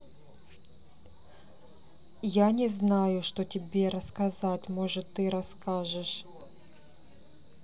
я не знаю что тебе рассказать может ты расскажешь